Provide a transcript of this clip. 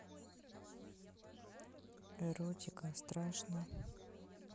эротика страшно